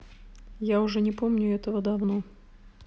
я уже не помню этого давно